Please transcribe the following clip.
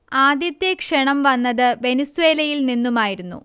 ആദ്യത്തെ ക്ഷണം വന്നത് വെനിസ്വേലയിൽ നിന്നുമായിരുന്നു